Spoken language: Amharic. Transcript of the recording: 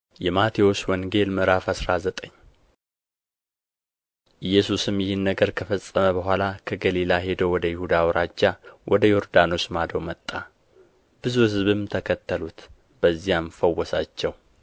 ﻿የማቴዎስ ወንጌል ምዕራፍ አስራ ዘጠኝ ኢየሱስም ይህን ነገር ከፈጸመ በኋላ ከገሊላ ሄዶ ወደ ይሁዳ አውራጃ ወደ ዮርዳኖስ ማዶ መጣ ብዙ ሕዝብም ተከተሉት በዚያም ፈወሳቸው